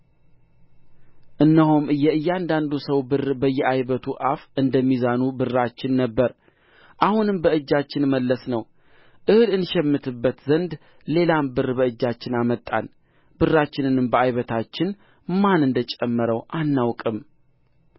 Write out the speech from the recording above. እነሆም የእያንዳንዱ ሰው ብር በየዓይበቱ አፍ እንደ ሚዛኑ ብራችን ነበረ አሁንም በእጃችን መለስነው እህል እንሸምትበት ዘንድ ሌላም ብር በእጃችን አመጣን ብራችንንም በዓይበታችን ማን እንደ ጨመረው አናውቅም